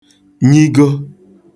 nyigo